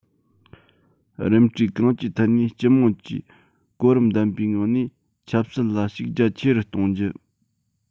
རིམ གྲས གང ཅིའི ཐད ནས སྤྱི དམངས ཀྱིས གོ རིམ ལྡན པའི ངང ནས ཆབ སྲིད ལ ཞུགས རྒྱ ཆེ རུ གཏོང རྒྱུ